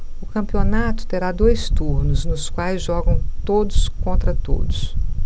o campeonato terá dois turnos nos quais jogam todos contra todos